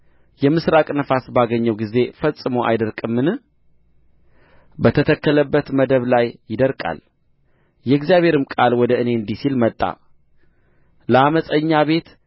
የምሥራቅ ነፋስ ባገኘው ጊዜ ፈጽሞ አይደርቅምን በተተከለበት መደብ ላይ ይደርቃል የእግዚአብሔርም ቃል ወደ እኔ እንዲህ ሲል መጣ ለዓመፀኛ ቤት